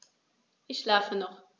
Ich schlafe noch.